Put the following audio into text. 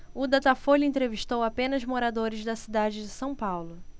o datafolha entrevistou apenas moradores da cidade de são paulo